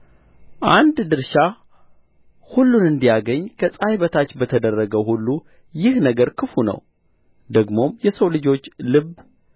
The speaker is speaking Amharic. አንድ ድርሻ ሁሉን እንዲያገኝ ከፀሐይ በታች በተደረገው ሁሉ ይህ ነገር ክፉ ነው ደግሞም የሰው ልጆች ልብ